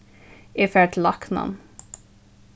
eg fari til læknan